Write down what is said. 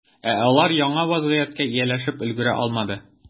Ә алар яңа вәзгыятькә ияләшеп өлгерә алмады.